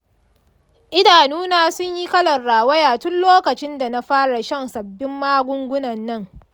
idanuna sun yi kalan rawaya tun lokacin da na fara shan sabbin magungunan.